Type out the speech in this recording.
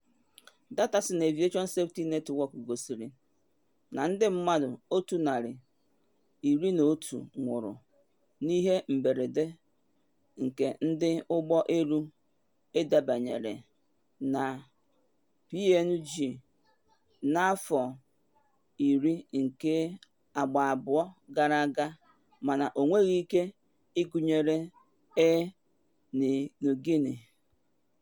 Data si na Aviation Safety Network gosiri na ndị mmadụ 111 nwụrụ n’ihe mberede nke ndị ụgbọ elu edebanyere-na-PNG n’afọ iri nke agba abụọ gara aga mana ọ nweghị ike ịgụnyere Air Niugini.